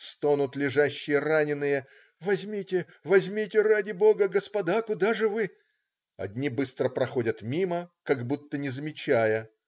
Стонут лежащие раненые: "возьмите, возьмите, ради Бога, господа, куда же вы??" Одни быстро проходят мимо, как будто не замечая.